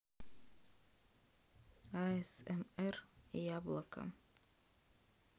асмр яблоко